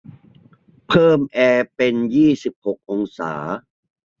เพิ่มแอร์เป็นยี่สิบหกองศา